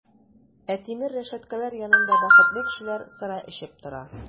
Ә тимер рәшәткәләр янында бәхетле кешеләр сыра эчеп тора!